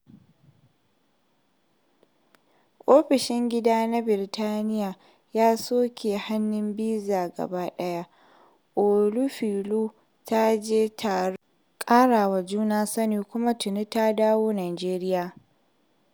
Ofishin Gida na Birtaniya ya soke hanin bizar daga baya. Olofinlua ta je taron ƙarawa juna sanin kuma tuni ta dawo Nijeriya.